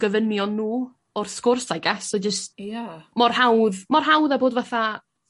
gofynion nw o'r sgwrs I guess a jys... Ia. ...mor hawdd mor hawdd â bod fatha